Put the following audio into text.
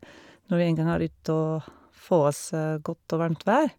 Når vi en gang har ut å få oss godt og varmt vær.